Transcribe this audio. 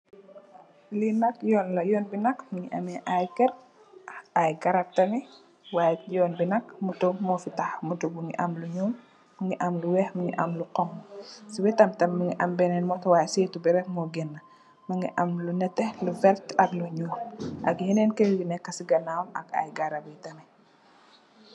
Li nak Yoon, Yoon bi nak mugii ameh ay kèr ak ay garap tamit. Way Yoon bi nak moto mo fii taxaw, motto bi mugii am lu ñuul, mugii am lu wèèx, mugii am lu xonxu. Ci wettam tamit mugii am benen moto way séétu bi rek mo nèkka di feeñ.